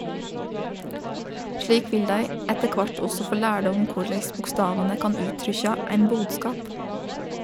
Slik vil dei etter kvart også få lærdom om korleis bokstavane kan uttrykkja ein bodskap.